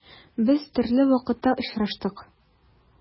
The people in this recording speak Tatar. Без төрле вакытта очраштык.